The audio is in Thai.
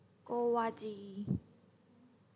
โกวาจี